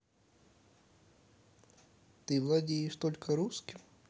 ты владеешь только русским